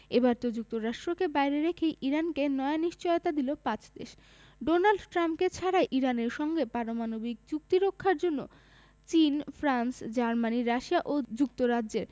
এবার তো যুক্তরাষ্ট্রকে বাইরে রেখেই ইরানকে নয়া নিশ্চয়তা দিল পাঁচ দেশ ডোনাল্ড ট্রাম্পকে ছাড়াই ইরানের সঙ্গে পারমাণবিক চুক্তি রক্ষার জন্য চীন ফ্রান্স জার্মানি রাশিয়া ও যুক্তরাজ্যের